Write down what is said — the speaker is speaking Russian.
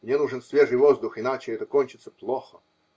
Мне нужен свежий воздух, иначе это кончится плохо.